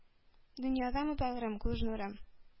Дөньядамы бәгърем, күз нурым